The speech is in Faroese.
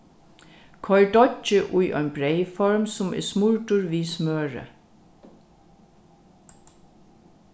koyr deiggið í ein breyðform sum er smurdur við smøri